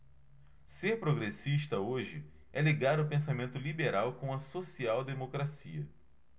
ser progressista hoje é ligar o pensamento liberal com a social democracia